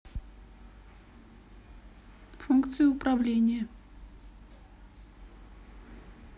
функции управления